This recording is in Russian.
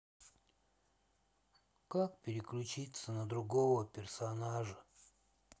как переключиться на другого персонажа